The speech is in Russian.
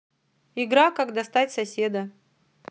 игра как достать соседа